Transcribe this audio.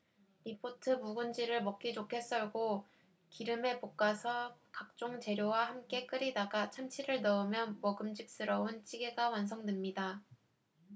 리포트 묵은지를 먹기 좋게 썰고 기름에 볶아서 각종 재료와 함께 끓이다가 참치를 넣으면 먹음직스러운 찌개가 완성됩니다